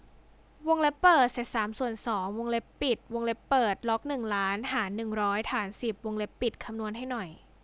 วงเล็บเปิดเศษสามส่วนสองวงเล็บปิดคูณวงเล็บเปิดล็อกหนึ่งล้านหารหนึ่งร้อยฐานสิบวงเล็บปิดคำนวณให้หน่อย